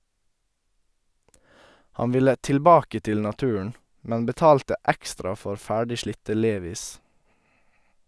Han ville "tilbake til naturen" , men betalte ekstra for ferdig slitte Levi's.